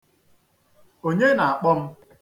Onye na-akpọ m?